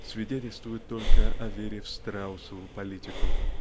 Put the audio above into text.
свидетельствует только о вере в страусову политику